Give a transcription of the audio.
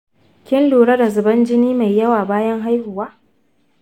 kin lura da zuban jini mai yawa bayan haihuwa?